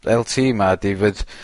el tee 'ma ydi fydd